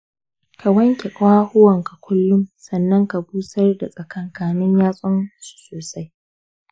ka wanke ƙafafunka kullum sannan ka busar da tsakanin yatsunsu sosai.